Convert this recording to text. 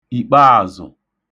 ìkpaàzụ̀